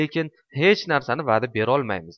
lekin hech narsa vada berolmayman